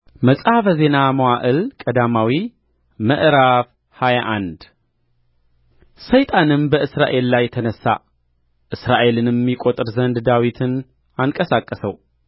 መጽሐፈ ዜና መዋዕል ቀዳማዊ ምዕራፍ ሃያ አንድ ሰይጣንም በእስራኤል ላይ ተነሣ እስራኤልንም ይቈጥር ዘንድ ዳዊትን አንቀሳቀሰው